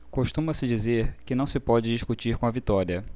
costuma-se dizer que não se pode discutir com a vitória